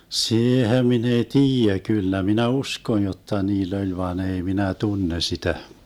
siihen minä ei tiedä kyllä minä uskon jotta niillä oli vaan ei minä tunne sitä